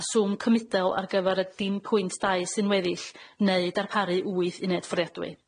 a swm cymudel ar gyfar y dim pwynt dau sy'n weddill neu darparu wyth uned fforiadwy.